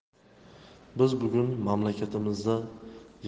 biz bugun mamlakatimizda yangi